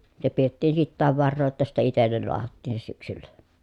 se pidettiin sitäkin varaa jotta sitten itselle lahdattiin se syksyllä